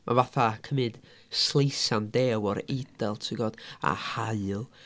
Ma' fatha cymryd sleisan dew o'r Eidal ti'n gwybod? A haul.